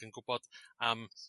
yn gw'bod am